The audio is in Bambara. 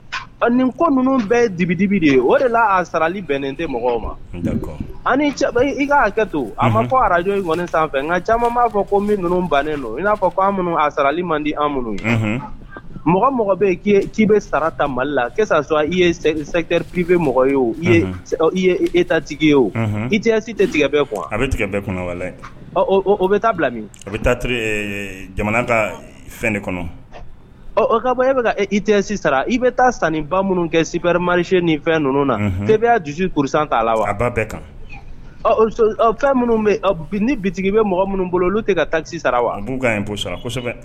Ɔ nin ko ninnu bɛɛ ye dibidibi de ye o de la a sarali bɛnnen tɛ mɔgɔw ma i k' hakɛ to a ma fɔ araj sanfɛ fɛ nka caman b'a fɔ ko min minnu bannen don n'a fɔ ko minnu a sarali man di minnu ye mɔgɔ mɔgɔ bɛ cii bɛ sara ta mali la sɔrɔ i sɛp mɔgɔ ye o e ta tigi ye o i si tɛ tigɛ bɛɛ kuwa a bɛ tigɛ kɔnɔ bɛ taa bila min a bɛ taa jamana fɛn de kɔnɔ o ka bɔ e i tɛ sisan sara i bɛ taa san ni ba minnu kɛ sip marise ni fɛn ninnu na ebe'a dususi kuru san ta la a ba bɛɛ kan minnu bɛ ni bitigi bɛ mɔgɔ minnu bolo olu tɛ ka taasi sara wa